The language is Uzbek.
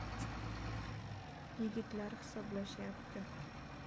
yigitlar hisoblashyapti